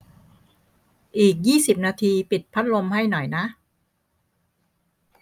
อีกยี่สิบนาทีปิดพัดลมให้หน่อยนะ